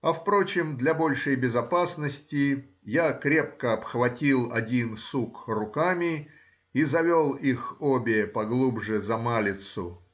а впрочем, для большей безопасности я крепко обхватил один сук руками и завел их обе поглубже за малицу.